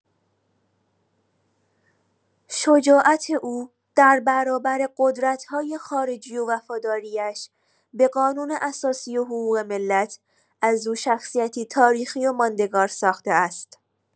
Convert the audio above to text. شجاعت او در برابر قدرت‌های خارجی و وفاداری‌اش به قانون اساسی و حقوق ملت، از او شخصیتی تاریخی و ماندگار ساخته است.